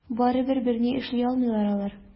Барыбер берни эшли алмыйлар алар.